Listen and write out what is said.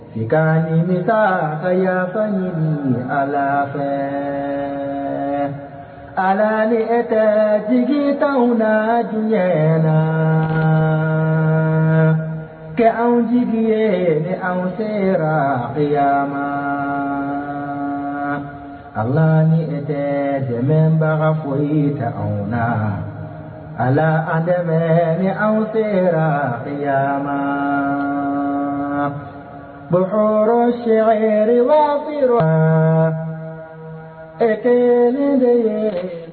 Sagamini yafa ɲini a la fɛ alali ɛ tɛ jigitan na diɲɛ la ka an jigi ye ni an sera ya a la ni ɛ tɛ dɛmɛ baga foyi tɛ anw na ala an dɛmɛ ni an sera ya bagan shɛyara ba ɛ tɛ ye le ye